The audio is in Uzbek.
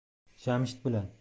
jamshid bilan